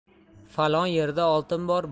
falon yerda oltin